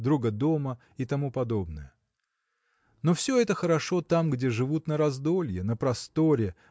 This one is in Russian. друга дома и т.п. Но все это хорошо там где живут на раздолье на просторе